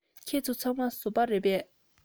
ཁྱེད ཚོ ཚང མ བཟོ པ རེད པས